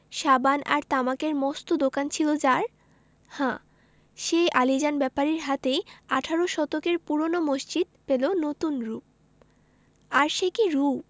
সাবান আর তামাকের মস্ত দোকান ছিল যার হ্যাঁ সেই আলীজান ব্যাপারীর হাতেই আঠারো শতকের পুরোনো মসজিদ পেলো নতুন রুপ আর সে কি রুপ